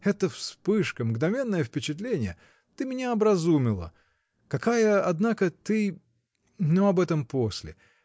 Это вспышка, мгновенное впечатление: ты меня образумила. Какая, однако, ты. Но об этом после.